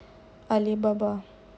али баба